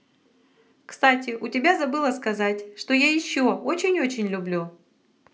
кстати у тебя забыла сказать что я еще очень очень люблю